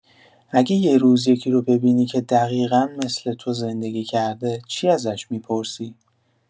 اگه یه روز یکی رو ببینی که دقیقا مثل تو زندگی کرده، چی ازش می‌پرسی؟